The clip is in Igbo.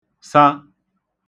sa